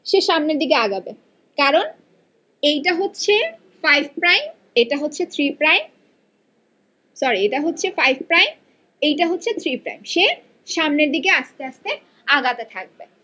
সে সামনের দিকে আগাবে কারন এটা হচ্ছে ফাইভ প্রাইম এটা হচ্ছে থ্রি প্রাইম সরি এটা হচ্ছে ফাইভ প্রাইম এটা হচ্ছে থ্রি প্রাইম সে সামনের দিকে আস্তে আস্তে আগাতে থাকবে